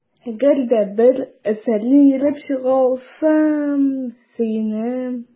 Әгәр дә бер әсәрне ерып чыга алсам, сөенәм.